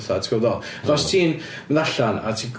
Fatha ti'n gwbod be dwi'n feddwl? Fatha os ti'n mynd allan a ti'n...